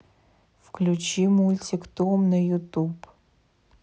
включи мультик том на ютуб